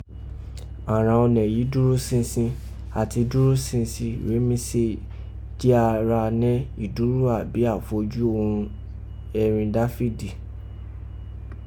àghan ọnẹ yìí duro sinsin, ati duro sinsin rèé mi se ji ra nẹ́ iduró abi afoju họ̀n ẹrin dafidi